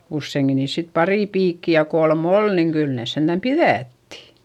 useinkin niissä sitten pari piikkiä ja kolme oli niin kyllä ne sentään pidätti